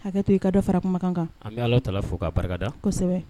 Hakɛ to i ka dɔ fara kumakan kan a bɛ ala ta fo k'a barikada kosɛbɛ